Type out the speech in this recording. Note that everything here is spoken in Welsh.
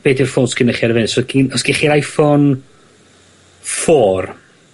be' 'di'r ffôn sgynnoch chi ar y funud? So gis... Os gin chi'r Iphone four